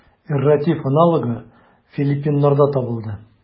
Эрратив аналогы филиппиннарда табылды.